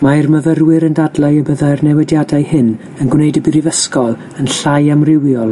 Mae'r myfyrwyr yn dadlau y byddai'r newidiadau hyn yn gwneud y brifysgol yn llai amrywiol